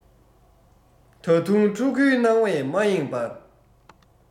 ད དུང ཕྲུ གུའི སྣང བས མ ཡེངས པར